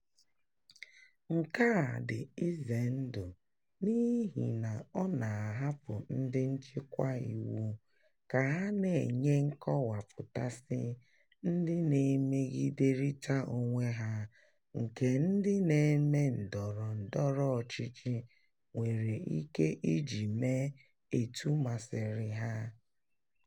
Nke a dị izendụ n'ihi na ọ na-ahapụ ndị nchịkwa iwu ka ha na-enye nkọwapụtasị ndị na-emegiderịta onwe ha nke ndị na-eme ndọrọ ndọrọ ọchịchị nwere ike iji mee etu masịrị ha.